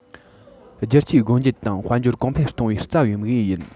བསྒྱུར བཅོས སྒོ འབྱེད དང དཔལ འབྱོར གོང འཕེལ གཏོང བའི རྩ བའི དམིགས ཡུལ ཡིན